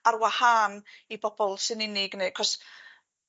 ar wahân i bobol sy'n unig neu 'c'os